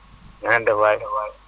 na ngeen def waay